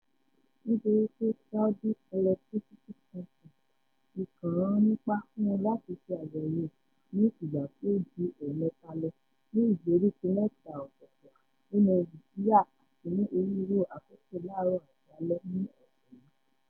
Nítorí pé Saudi Electricity Company (SEC) ti kàn-án nípá fun láti ṣe àyèwò ẹ̀ ní ìgbà tó ju ẹẹ̀mẹta lọ, ní ìgbèríko mẹ́ta ọ̀tọọ̀tọ̀ nínú Riyadh àti ní onírúurú àkókò láàárọ̀ àti alẹ́ ní ọ̀sẹ̀ yìí.